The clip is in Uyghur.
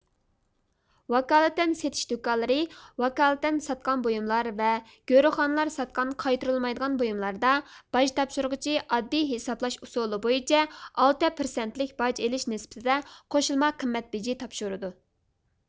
ۋاكالىتەن سېتىش دۇكانلىرى ۋاكالىتەن ساتقان بويۇملار ۋە گۆرۆخانىلار ساتقان قايتۇرۇلمايدىغان بۇيۇملاردا باج تاپشۇرغۇچى ئاددىي ھېسابلاش ئۇسۇلى بويىچە ئالتە پىرسەنتلىك باج ئېلىش نىسبىتىدە قوشۇلما قىممەت بېجى تاپشۇرىدۇ